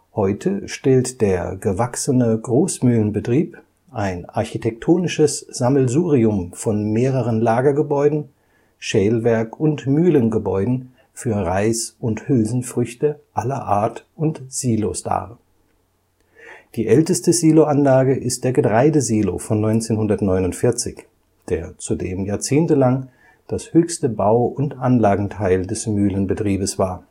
Heute stellt der „ gewachsene Großmühlenbetrieb “ein „ architektonisches Sammelsurium “von mehreren Lagergebäuden, Schälwerk - und Mühlengebäuden für Reis und Hülsenfrüchte aller Art und Silos dar. Die älteste Siloanlage ist der Getreidesilo von 1949, der zudem jahrzehntelang das höchste Bau - und Anlagenteil des Mühlenbetriebes war